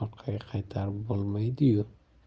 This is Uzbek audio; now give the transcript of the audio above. orqaga qaytarib bo'lmaydi yu